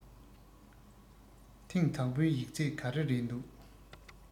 ཐེང དང པོའི ཡིག ཚད ག རེ རེད འདུག